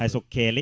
hay sok keele